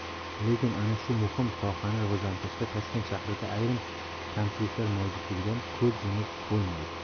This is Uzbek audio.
lekin ana shu muhim sohani rivojlantirishda toshkent shahrida ayrim kamchiliklar mavjudligidan ko'z yumib bo'lmaydi